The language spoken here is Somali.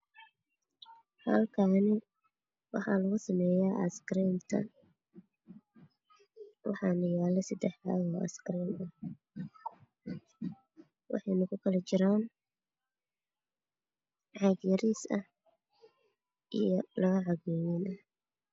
Halkaani waxa lagu sameya ice cream-ta waxana yaalo sadex caag oo ice cream ah waxayna ku kala jiraan caag yariis ah iyo laba caag oo waa weyn ah